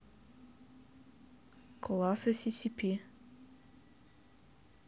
класс и scp